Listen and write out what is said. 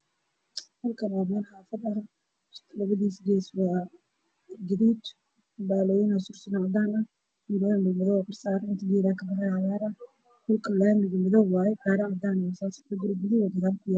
Waa wado laami ah waxaa soo socdo gaari cadaan ah